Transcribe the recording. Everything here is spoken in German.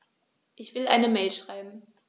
Ich will eine Mail schreiben.